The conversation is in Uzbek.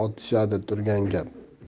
otishadi turgan gap